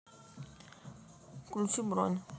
включи бронь